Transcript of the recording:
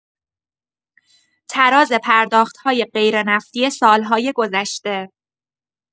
تراز پرداخت‌های غیرنفتی سال‌های گذشته